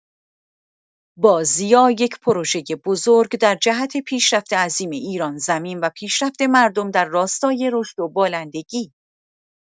باضیا یک پروژۀ بزرگ در جهت پیشرفت عظیم ایران‌زمین و پیشرفت مردم در راستای رشد و بالندگی